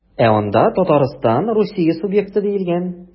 Ә анда Татарстан Русия субъекты диелгән.